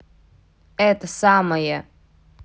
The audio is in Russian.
это самое